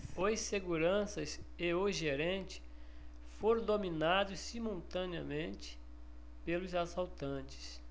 os seguranças e o gerente foram dominados simultaneamente pelos assaltantes